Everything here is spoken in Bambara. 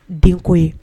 Den ko ye